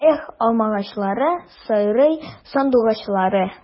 Эх, алмагачлары, сайрый сандугачлары!